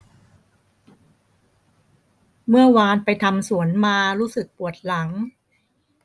เมื่อวานไปทำสวนมารู้สึกปวดหลัง